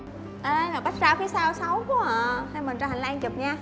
ê mà bách gao phía sau xấu quá à hay mình ra hành lang chụp nha